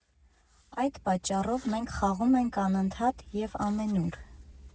Այդ պատճառով մենք խաղում ենք անընդհատ և ամենուր։